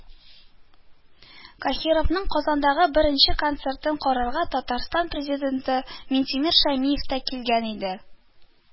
Каһировның Казандагы беренче концертын карарга Татарстан президенты Миңтимер Шәймиев тә килгән иде